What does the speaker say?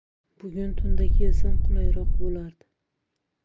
bugun tunda kelsam qulayroq bo'lardi